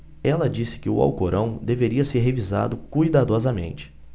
ela disse que o alcorão deveria ser revisado cuidadosamente